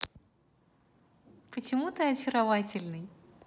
почему ты очаровательный